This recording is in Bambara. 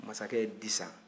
masakɛ ye di san